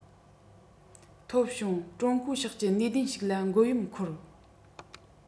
ཐོབ བྱུང ཀྲུང གོ ཕྱོགས ཀྱིས ནུས ལྡན ཞིག ལ མགོ ཡོམ འཁོར